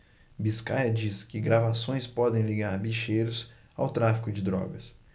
biscaia diz que gravações podem ligar bicheiros ao tráfico de drogas